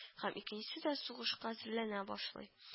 Һәм икечесе дә сугышка әзерләнә башлый